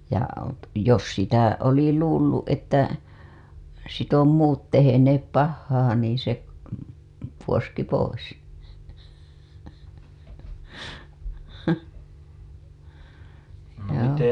ja jos sitä oli luullut että sitten on muut tehneet pahaa niin se puoski pois joo